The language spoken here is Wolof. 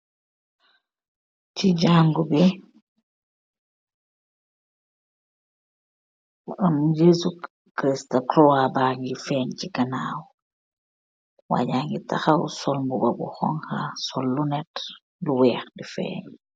Ci jangu bi, am jesu Krist kuras baa ngi feeñ ci ganaaw. Waa jaa ngi taxaw sol mbuba bu xönxa, sol lunett yu weex di feeñ.